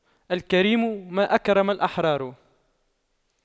الكريم من أكرم الأحرار